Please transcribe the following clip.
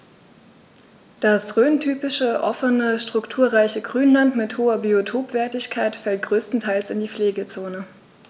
Das rhöntypische offene, strukturreiche Grünland mit hoher Biotopwertigkeit fällt größtenteils in die Pflegezone.